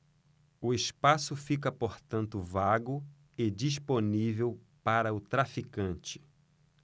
o espaço fica portanto vago e disponível para o traficante